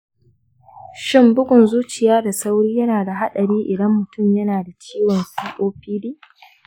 shin bugun zuciya da sauri yana da haɗari idan mutum yana da ciwon copd?